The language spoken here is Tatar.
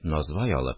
Насвай алып